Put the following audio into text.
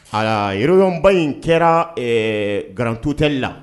Aa yɔrɔyba in kɛra garantotɛeli la